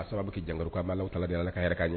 A sababu bɛ kɛ jankuru k' aw taladen la ka